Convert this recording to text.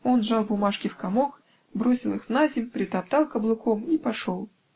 Он сжал бумажки в комок, бросил их наземь, притоптал каблуком и пошел.